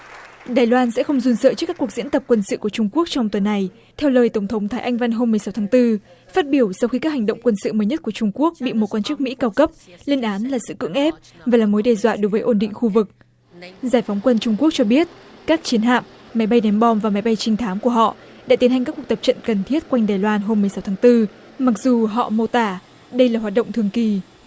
đài loan sẽ không run sợ trước các cuộc diễn tập quân sự của trung quốc trong tuần này theo lời tổng thống thái anh văn hôm mười sáu tháng tư phát biểu sau khi các hành động quân sự mới nhất của trung quốc bị một quan chức mỹ cao cấp lên án là sự cưỡng ép và là mối đe dọa đối với ổn định khu vực giải phóng quân trung quốc cho biết các chiến hạm máy bay ném bom và máy bay trinh thám của họ đã tiến hành các cuộc tập trận cần thiết quanh đài loan hôm mười sáu tháng tư mặc dù họ mô tả đây là hoạt động thường kỳ